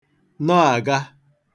nọàga